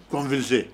Kɔnfise